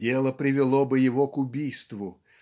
дело привело бы его к убийству